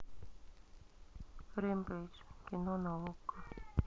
рэмпейдж кино на окко